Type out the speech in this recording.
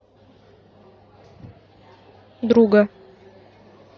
друга